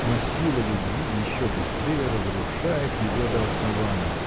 но сила любви еще быстрее разрушает его до основания